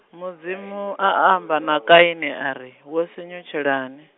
Mudzimu a amba na kaini ari, wo sunyutshelani?